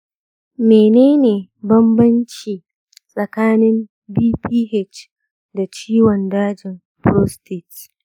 menene bambanci tsakanin bph da ciwon dajin prostate?